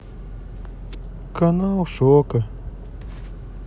канал шока